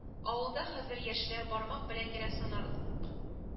Авылда хәзер яшьләр бармак белән генә санарлык